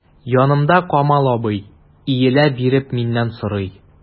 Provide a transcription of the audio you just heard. Янымда— Камал абый, иелә биреп миннән сорый.